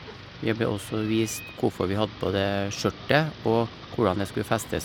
Vi ble også vist hvorfor vi hadde på det skjørtet, og hvordan det skulle festes.